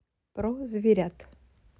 про зверят